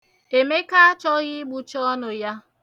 Emeka achọghị ịgbụcha ọnụ.